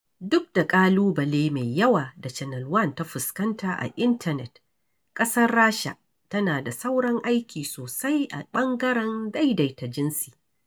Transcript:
Duk da ƙalubale mai yawa da Channel One ta fuskanta a intanet, ƙasar Rasha tana da sauran aiki sosai a ɓangaren daidaita jinsi.